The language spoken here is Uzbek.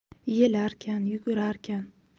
yelarkan yugurarkan